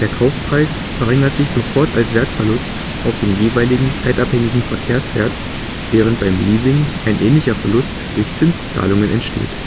Kaufpreis verringert sich sofort als Wertverlust auf den jeweiligen, zeitabhängigen Verkehrswert während beim Leasing ein ähnlicher Verlust durch Zinszahlungen entsteht